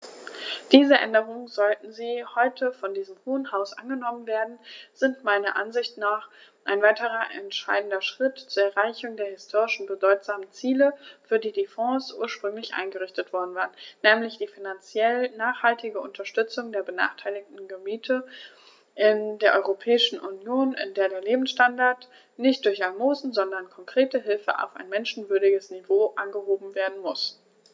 Diese Änderungen, sollten sie heute von diesem Hohen Haus angenommen werden, sind meiner Ansicht nach ein weiterer entscheidender Schritt zur Erreichung der historisch bedeutsamen Ziele, für die die Fonds ursprünglich eingerichtet worden waren, nämlich die finanziell nachhaltige Unterstützung der benachteiligten Gebiete in der Europäischen Union, in der der Lebensstandard nicht durch Almosen, sondern konkrete Hilfe auf ein menschenwürdiges Niveau angehoben werden muss.